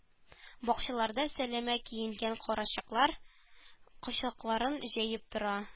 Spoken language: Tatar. Бакчаларда сәләмә киенгән карачакылар кочакларын җәеп тора